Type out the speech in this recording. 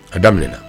A daminɛna